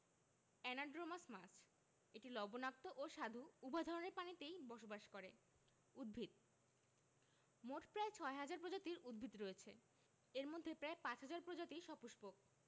anadromous মাছ এটি লবণাক্ত ও স্বাদু উভয় ধরনের পানিতেই বসবাস করে উদ্ভিদঃ মোট প্রায় ৬ হাজার প্রজাতির উদ্ভিদ রয়েছে এর মধ্যে প্রায় ৫ হাজার প্রজাতি সপুষ্পক